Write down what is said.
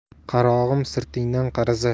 qarog'im sirtingdan qarasa